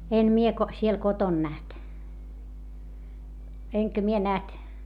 en minä - siellä kotona nähnyt enkä minä nähnyt